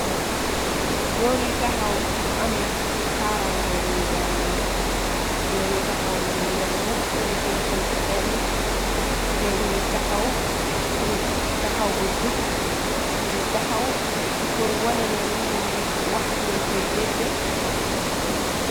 Goor yu taxaw ñu amee knkarange weru gambe ya goor yu taxaw ni ñoom ñepp ñu ngi tee seen fatelyi te ñu ngi taxaw bu jupp ñu ngi taxaw për wonene liñ leen di wax ñu koy dégga.